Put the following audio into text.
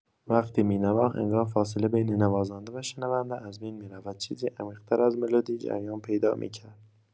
وقتی می‌نواخت، انگار فاصله بین نوازنده و شنونده از بین می‌رفت و چیزی عمیق‌تر از ملودی جریان پیدا می‌کرد.